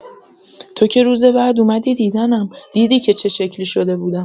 تو که روز بعد اومدی دیدنم، دیدی که چه شکلی شده بودم.